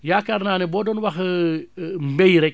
yaakaar naa ne boo doon wax mbay rekk